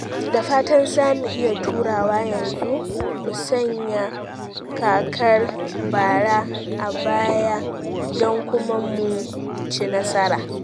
Da fatan, za mu iya turawa yanzu, mu sanya kakar bara a baya don kuma mu ci nasara."